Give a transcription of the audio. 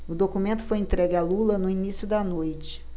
o documento foi entregue a lula no início da noite